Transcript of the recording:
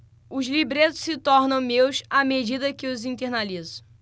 os libretos se tornam meus à medida que os internalizo